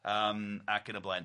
Yym ac yn y blaen.